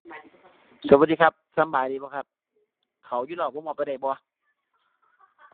สวัสดีครับ สำบายดีบ่ครับ ข้าวอยู่เล้าผมเอาไปได้บ่